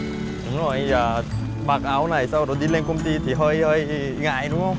đúng rồi giờ mặc áo này sau đó đi lên công ty thì hơi hơi ngại đúng hông